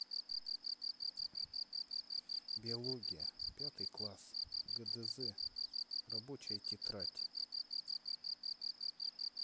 биология пятый класс гдз рабочая тетрадь